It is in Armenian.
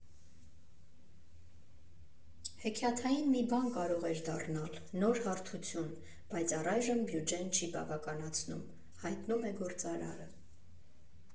«Հեքիաթային մի բան կարող էր դառնալ, նոր հարթություն, բայց առայժմ բյուջեն չի բավականացնում», հայտնում է գործարարը։